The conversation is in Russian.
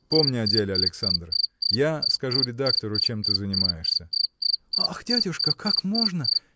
Помни о деле, Александр: я скажу редактору, чем ты занимаешься. – Ах, дядюшка, как можно!